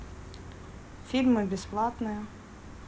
фильмы бесплатные